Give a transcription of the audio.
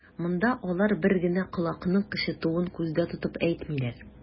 Монда алар бер генә колакның кычытуын күздә тотып әйтмиләр.